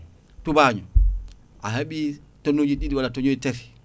tubaño a heeɓi tonnes uji ɗiɗi walla tonnes uji tati